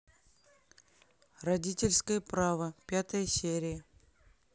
родительское право пятая серия